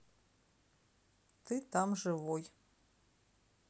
ты там живой